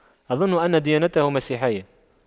أظن أن ديانته مسيحية